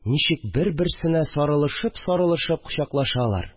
Ничек бер-берсенә сарылышып-сарылышып кочаклашалар